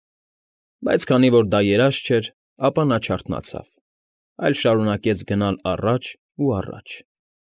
Բայց քանի որ դա երազ չէր, նա չարթնացավ, այլ շարունակեց գնալ առաջ ու առաջ։